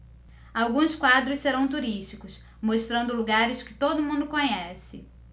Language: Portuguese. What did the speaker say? alguns quadros serão turísticos mostrando lugares que todo mundo conhece